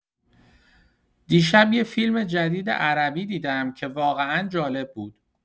دیشب یه فیلم جدید عربی دیدم که واقعا جالب بود.